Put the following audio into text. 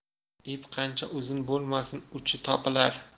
ip qancha uzun bo'lmasin uchi topilar